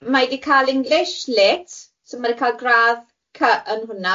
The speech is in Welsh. Mae di cal English lit so ma di cal gradd cy yn hwnna.